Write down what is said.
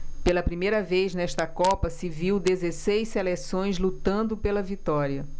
pela primeira vez nesta copa se viu dezesseis seleções lutando pela vitória